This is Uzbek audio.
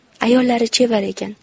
ayollari chevar ekan